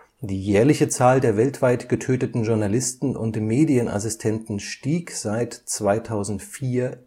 Die jährliche Zahl der weltweit getöteten Journalisten und Medienassistenten stieg seit 2004